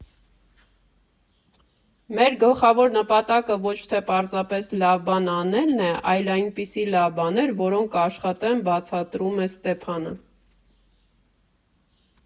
Մեր գլխավոր նպատակը ոչ թե պարզապես լավ բան անելն է, այլ այնպիսի լավ բաներ, որոնք կաշխատեն, ֊ բացատրում է Ստեփանը.